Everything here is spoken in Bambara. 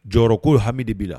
Jɔyɔrɔ ko hami de b'i la